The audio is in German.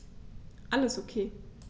Alles OK.